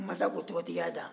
u ma taa k'o tɔgɔtigiya dan